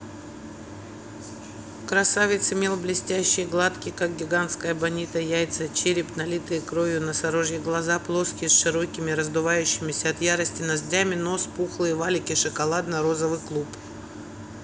красавец имел блестящий и гладкий как гигантская бонита яйца череп налитые кровью носорожья глаза плоские с широкими раздувающимися от ярости ноздрями нос пухлые валики шоколадно розовый клуб